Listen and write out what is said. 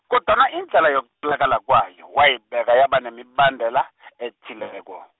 kodwana indlela yok- -olakala kwayo, wayibeka yaba nemibandela , ethileko.